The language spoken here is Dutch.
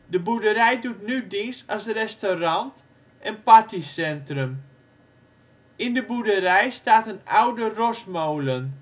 De boerderij doet nu dienst als restaurant en partycentrum. In de boerderij staat een oude rosmolen